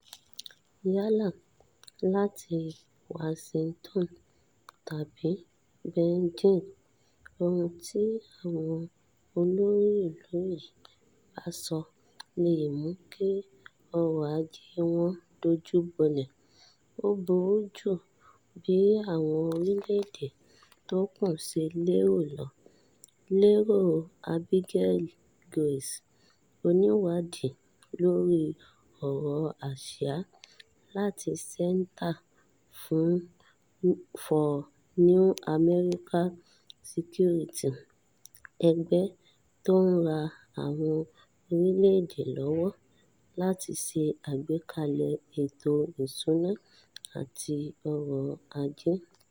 ”Yálà láti Washington tàbí Beijing, ohun tí àwọn olórí ìlú yìí bá ṣọ lè mú kí ọrọ̀-ajé wọn dojúbolẹ̀. Ó burú ju bíi àwọn orílẹ̀-èdè tó kù ṣe lérò lọ,” lèrò Abigail Grace, oníwádìí lóri ọ̀rọ̀ Asia láti Center for New American Security -ẹgbẹ́ tó ń ran àwọn orílẹ̀-èdè lọ́wọ́ láti ṣe àgbékalẹ̀ ètò-ìṣúná àti ọrọ̀-ajé.